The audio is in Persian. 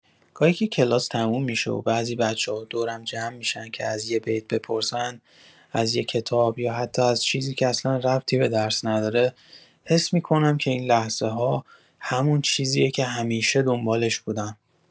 گاهی که کلاس تموم می‌شه و بعضی بچه‌ها دورم جمع می‌شن که از یه بیت بپرسن، از یه کتاب، یا حتی از چیزی که اصلا ربطی به درس نداره، حس می‌کنم که این لحظه‌ها، همون چیزیه که همیشه دنبالش بودم.